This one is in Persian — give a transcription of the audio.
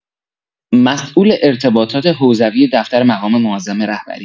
مسئول ارتباطات حوزوی دفتر مقام معظم رهبری